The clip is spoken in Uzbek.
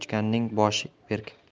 ko'changning boshi berk